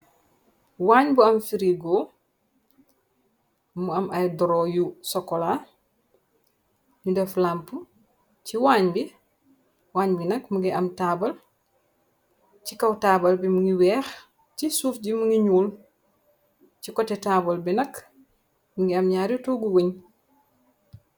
Waañ bu am frigo mu am ay doro cokola ñu def làmpa si waañ bi waañ bi nak mungi am taabal ci kaw taabal bi mungi weex ci suuf ji mongi ñuul ci kote taabal bi nakk mu ngi am ñaari togu wuñg.